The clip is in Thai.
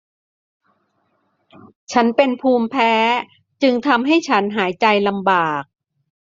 ฉันเป็นภูมิแพ้จึงทำให้ฉันหายใจลำบาก